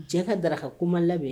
Diɲɛ ka darakako labɛn